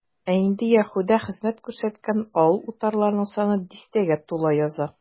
Ә инде Яһүдә хезмәт күрсәткән авыл-утарларның саны дистәгә тула яза.